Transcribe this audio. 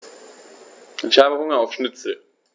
Ich habe Hunger auf Schnitzel.